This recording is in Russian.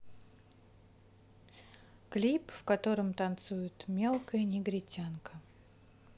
клип в котором танцует мелкая негритянка